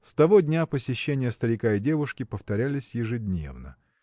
С того дня посещения старика и девушки повторялись ежедневно.